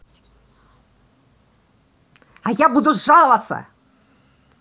а я буду жаловаться